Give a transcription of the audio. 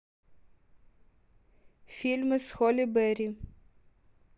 фильмы с холли бери